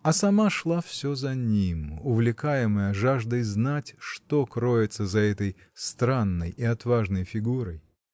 А сама шла всё за ним, увлекаемая жаждой знать, что кроется за этой странной и отважной фигурой.